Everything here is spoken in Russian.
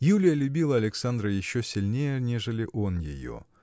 Юлия любила Александра еще сильнее, нежели он ее.